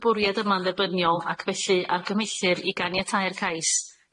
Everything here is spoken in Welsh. y bwriad yma'n dderbyniol ac felly argymellir i ganiatáu'r cais